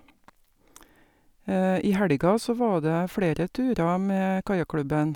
I helga så var det flere turer med kajakklubben.